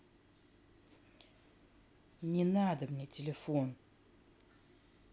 не надо мне телефон